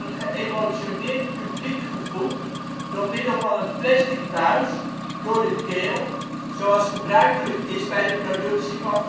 geëmotioneerd publiek gevoed door middel van een plastic buis door de keel, zoals gebruikelijk is bij de productie van